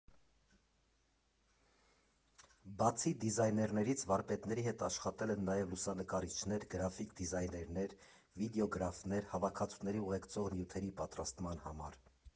Բացի դիզայներներից վարպետների հետ աշխատել են նաև լուսանկարիչներ, գրաֆիկ դիզայներներ, վիդեոգրաֆներ՝ հավաքածուների ուղեկցող նյութերի պատրաստման համար։